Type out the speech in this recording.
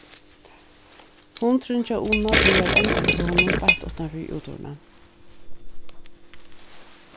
hundurin hjá una bíðar enn eftir honum beint uttan fyri úthurðina